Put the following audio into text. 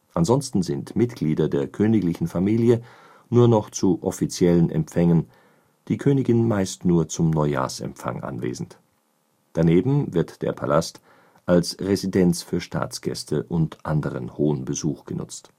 Ansonsten sind Mitglieder der königlichen Familie nur noch zu offiziellen Empfängen, die Königin meist nur zum Neujahrsempfang anwesend. Daneben wird der Palast als Residenz für Staatsgäste und anderen hohen Besuch genutzt